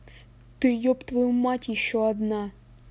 ты еб твою мать еще одна